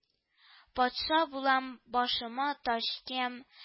Патша булам, башыма таҗ киям